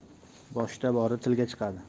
boshda bori tilga chiqadi